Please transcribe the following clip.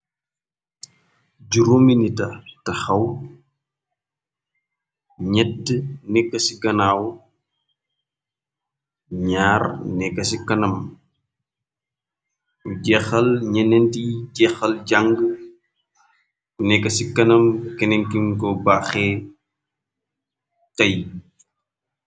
Juromi nita taxaw nyatti nekk ci ganaaw nyarr neka ci kawam jeexal ñenenti jexal jang nekk ci kanam kenenkinko baaxee tey